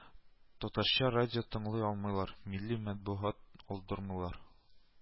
Татарча радио тыңлый алмыйлар, милли матбугат алдырмыйлар